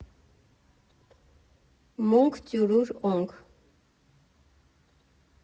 Մունք տյուրուր օնք։